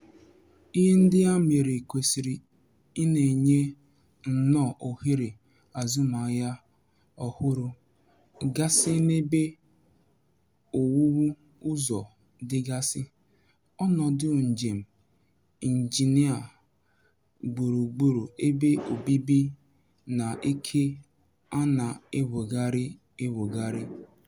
Ihe ndị a mere kwesịrị ị na-enye nnọọ ohere azụmahịa ọhụrụ gasị n'ebe owuwu ụzọ dị gasị, ọnọdụ njem, injinia gburugburu ebe obibi na ike a na-enwogharị enwogharị.